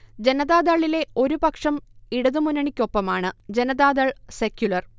ജനതാദളിലെ ഒരു പക്ഷം ഇടതു മുന്നണിക്കൊപ്പമാണ് ജനാതാദൾ സെക്യുലർ